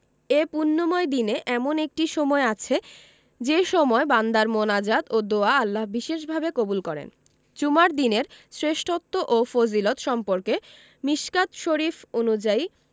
এ পুণ্যময় দিনে এমন একটি সময় আছে যে সময় বান্দার মোনাজাত ও দোয়া আল্লাহ বিশেষভাবে কবুল করেন জুমার দিনের শ্রেষ্ঠত্ব ও ফজিলত সম্পর্কে মিশকাত শরিফ অনুযায়ী